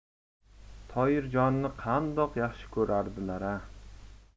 toyirjonni qandoq yaxshi ko'rardilar a